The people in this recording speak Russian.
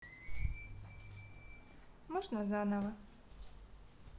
можно заново